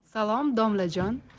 salom domlajon